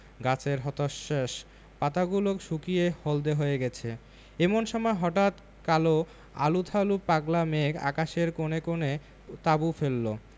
গাছের হতাশ্বাস পাতাগুলো শুকিয়ে হলদে হয়ে গেছে এমন সময় হঠাৎ কাল আলুথালু পাগলা মেঘ আকাশের কোণে কোণে তাঁবু ফেললো